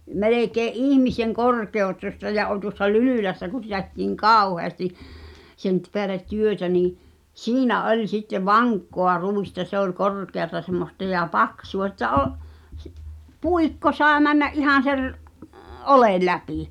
melkein ihmisen korkuista ja oli tuossa Lylylässä kun sitä tehtiin kauheasti sen - päälle työtä niin siinä oli sitten vankkaa ruista se oli korkeaa semmoista ja paksua että -- puikko sai mennä ihan - oljen läpi